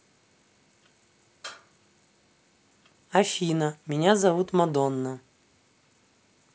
афина меня зовут мадонна